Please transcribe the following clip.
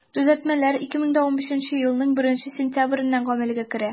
Төзәтмәләр 2015 елның 1 сентябреннән гамәлгә керә.